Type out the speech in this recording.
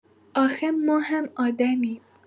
آخه ما هم آدمیم.